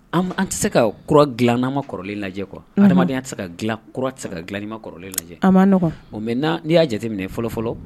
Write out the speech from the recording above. An tɛ se ka kura dilananma kɔrɔlen lajɛ kuwa adamadamadenya an tɛ se ka tɛ ka dilaninma kɔrɔlen lajɛ an ma n'i y'a jate minɛ fɔlɔ fɔlɔ